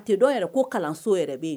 A tɛ dɔw yɛrɛ ko kalanso yɛrɛ bɛ yen